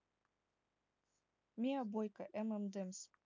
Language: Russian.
mia boyka эмэмдэнс